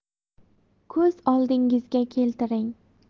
ko'z oldingizga keltiring